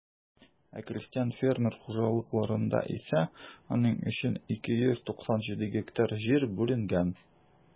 Ә крестьян-фермер хуҗалыкларында исә аның өчен 297 гектар җир бүленгән.